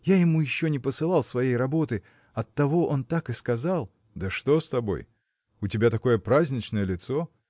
– я ему еще не посылал своей работы оттого он так и сказал. – Да что с тобой? у тебя такое праздничное лицо!